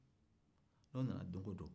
n'o nana don o don